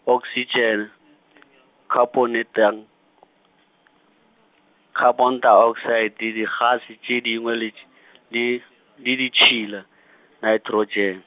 oksitšene , khabonidan- , khapontaoksaete digase tše dingwe le tš-, le, le ditšhila, Naetrotšene.